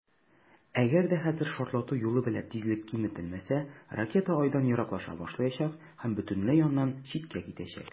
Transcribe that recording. Әгәр дә хәзер шартлату юлы белән тизлек киметелмәсә, ракета Айдан ераклаша башлаячак һәм бөтенләй аннан читкә китәчәк.